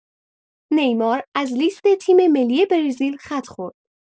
نیمار از لیست تیم‌ملی برزیل خط خورد!